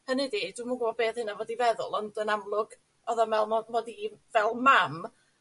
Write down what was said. Hynny 'di dwi'm yn gwbo be' odd hynna fod i feddwl ond yn amlwg odd o'n me'l mo- mod i fel mam